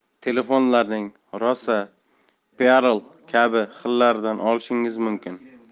telefonlarning rosa pearl kabi xillaridan olishingiz mumkin